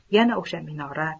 yana o'sha minora